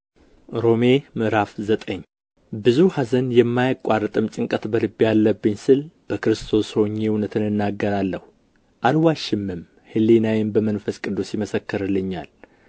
ሮሜ ምዕራፍ ዘጠኝ ብዙ ኀዘን የማያቋርጥም ጭንቀት በልቤ አለብኝ ስል በክርስቶስ ሆኜ እውነትን እናገራለሁ አልዋሽምም ሕሊናዬም በመንፈስ ቅዱስ ይመሰክርልኛል